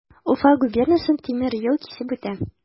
Уфа губернасын тимер юл кисеп үтә.